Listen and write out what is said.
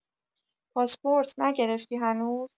پاسپورت نگرفتی هنوز؟